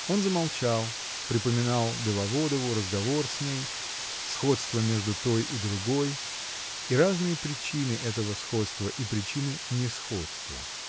Он замолчал, припоминая Беловодову, разговор с ней, сходство между той и другой, и разные причины этого сходства, и причины несходства.